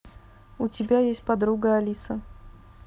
у тебя есть подруга алиса